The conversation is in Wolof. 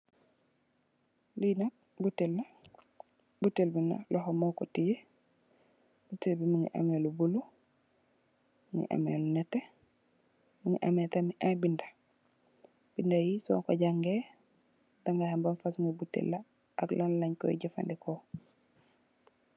Lee nak botel la botel be nak lohou moku teye botel be muge ameh lu bulo muge ameh lu neteh muge ameh tamin aye beda beda ye soku jange daga ham ban fosunge botel la ak lanlenkoye jufaneku.